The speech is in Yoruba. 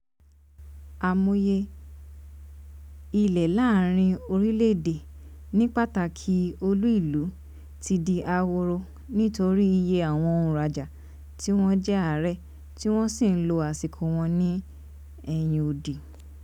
Àmọye ilé láàrin orílẹ̀ èdè - ní pàtàkì olú ìlú - ti di “ahoro” nítorí iye àwọn onràjà tí wọ́n jẹ́ àrè tí wọ́n sì ń lo àsìkò wọn ní ẹ̀yìn odi.